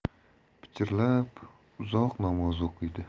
pichirlab uzoq namoz o'qiydi